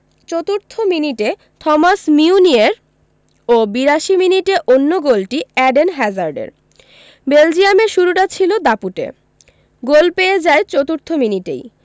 চতুর্থ মিনিটে Thomas Meunier ও ৮২ মিনিটে অন্য গোলটি এডেন হ্যাজার্ডের বেলজিয়ামের শুরুটা ছিল দাপুটে গোল পেয়ে যায় চতুর্থ মিনিটেই